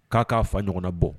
K'a k'a fa ɲɔgɔnna bɔ